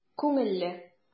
Күңелле!